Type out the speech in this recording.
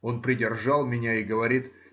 Он придержал меня и говорит